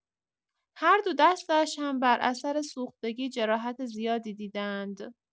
هر دو دستش هم بر اثر سوختگی جراحت زیادی دیده‌اند.